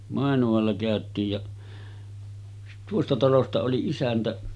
Mainualla käytiin ja tuosta talosta oli isäntä